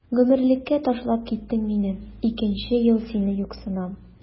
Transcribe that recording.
Гомерлеккә ташлап киттең мине, икенче ел сине юксынам.